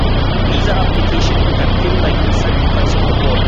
Visa applications can feel like a sacrifice to the gods